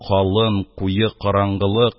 Калын, куе караңгылык